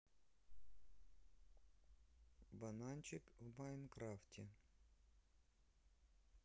бананчик в майнкрафте